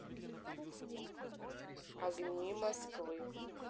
огни москвы